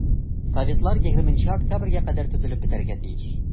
Советлар 20 октябрьгә кадәр төзелеп бетәргә тиеш.